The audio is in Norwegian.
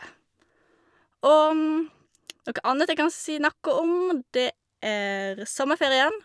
Og noe annet jeg kan si nakke om, det er sommerferien.